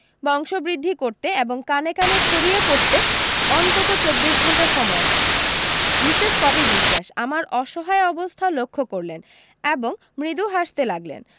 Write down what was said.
বংশবৃদ্ধি করতে এবং কানে কানে ছড়িয়ে পড়তে অন্তত চব্বিশ ঘণ্টা সময় নেয় মিসেস পপি বিশোয়াস আমার অসহায় অবস্থা লক্ষ্য করলেন এবং মৃদু হাসতে লাগলেন